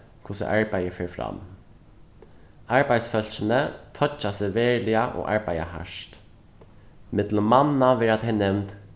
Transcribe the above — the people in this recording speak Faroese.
hvussu arbeiði fer fram arbeiðsfólkini toyggja seg veruliga og arbeiða hart millum manna verða tey nevnd